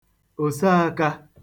òseēkā